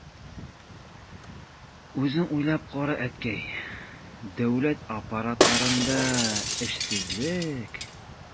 Үзең уйлап кара, әткәй, дәүләт аппаратларында эшсезлек...